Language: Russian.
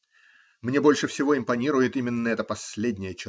Мне больше всего импонирует именно эта последняя черта.